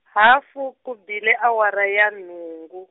hafu ku bile awara ya nhungu.